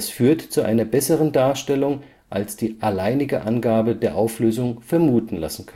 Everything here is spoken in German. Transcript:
führt zu einer besseren Darstellung, als die alleinige Angabe der Auflösung vermuten lassen